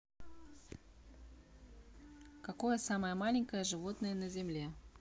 какое самое маленькое животное на земле